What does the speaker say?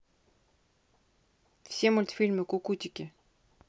все мультфильмы кукутики